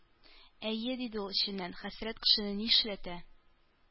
«әйе,— диде ул эченнән,—хәсрәт кешене нишләтә!»